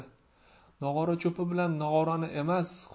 nog'ora cho'pi bilan nog'orani emas